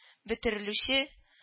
Бөтерелүче